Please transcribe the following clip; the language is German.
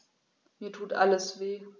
Mir tut alles weh.